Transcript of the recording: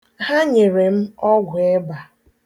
Ha nyere m ọgwụ ịba